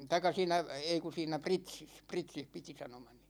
tai siinä ei kun siinä Pritsissä Pritsissä piti sanomani